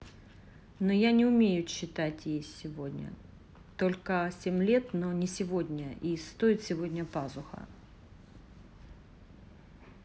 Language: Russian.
но я не умею читать есть сегодня только семь лет но не сегодня и стоит сегодня пазуха